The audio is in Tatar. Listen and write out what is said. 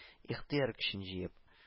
Ихтыяр көчен җыеп